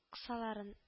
Кысаларын